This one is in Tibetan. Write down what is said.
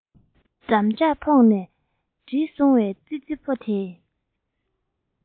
འགྲམ ལྕག ཕོག ནས འགྲིལ སོང བའི ཙི ཙི ཕོ དེས